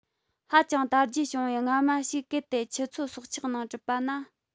ཧ ཅང དར རྒྱས བྱུང བའི རྔ མ ཞིག གལ ཏེ ཆུ འཚོ སྲོག ཆགས ནང གྲུབ པ ན